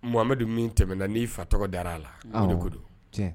Hamadudu min tɛmɛna n' fa tɔgɔ dara' a la a ne ko don